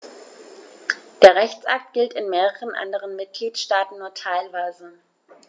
Der Rechtsakt gilt in mehreren anderen Mitgliedstaaten nur teilweise.